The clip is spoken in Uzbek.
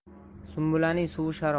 sumbulaning suvi sharob